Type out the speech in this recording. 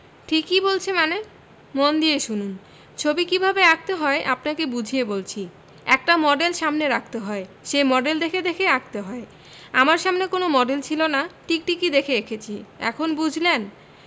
ঠিকই বলছে মানে মন দিয়ে শুনুন ছবি কি ভাবে আঁকতে হয় আপনাকে বুঝিয়ে বলছি একটা মডেল সামনে রাখতে হয় সেই মডেল দেখে দেখে আঁকতে হয় আমার সামনে কোন মডেল ছিল না টিকটিকি দেখে এঁকেছি এখন বুঝলেন